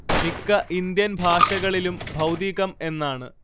മിക്ക ഇന്ത്യൻ ഭാഷകളിലും ഭൗതികം എന്നാണ്